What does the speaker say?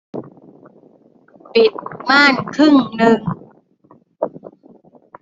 ปิดม่านครึ่งนึง